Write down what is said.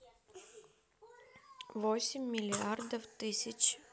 восемь миллиардов тысяч